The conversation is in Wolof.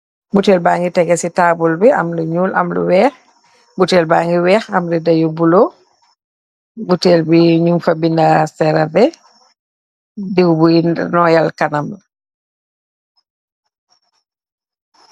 Butel ba ngi tege ci taabul bi am lu ñyul am lu weex buteel ba ngi weex am redayu bulo buteel bi ñu fa bindaa serave diw bu noyal kanam.